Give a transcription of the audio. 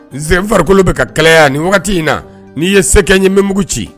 N sen farikolo bɛ ka kɛlɛya ni wagati in na n'i ye sɛgɛ ɲɛ bɛ mugu ci